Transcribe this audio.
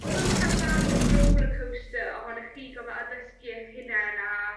o'dd o fatha bach o rollercoaster ohonoch chi gofo addysgu 'ych hunen a